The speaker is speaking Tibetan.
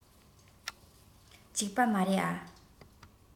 ཅིག པ མ རེད ཨ